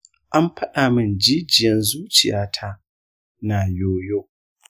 an faɗa min jijiyan zuciya ta na yoyo.